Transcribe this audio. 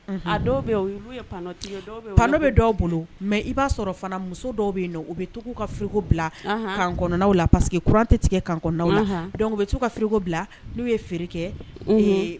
A dɔw be yen olu ye panneau tigiw ye. panneau bɛ dɔw boloMais i ba sɔrɔ muso dɔw bɛ u bɛ tou kako bilaw la parce que courant tɛ tigɛ a dɔnku bɛ'u kako bila n'u ye feere kɛ